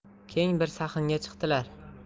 keng bir sahnga chiqdilar